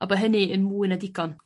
A bo' hynny yn mwy na digon.